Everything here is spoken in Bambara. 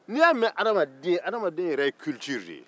n'i y'a mɛn adamaden adamaden yɛrɛ ye dɔnko de ye